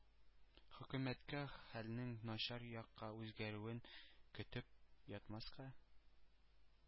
Хөкүмәткә хәлнең начар якка үзгәрүен көтеп ятмаска,